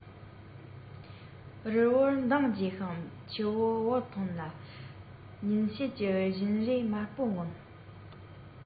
རི བོར མདངས རྒྱས ཤིང ཆུ བོར བོགས ཐོན ལ ཉིན བྱེད ཀྱི བཞིན རས དམར པོར མངོན